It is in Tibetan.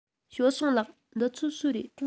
ཞའོ སུང ལགས འདི ཚོ སུའི རེད